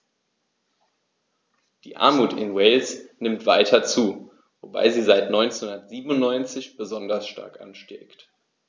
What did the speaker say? Die Armut in Wales nimmt weiter zu, wobei sie seit 1997 besonders stark ansteigt.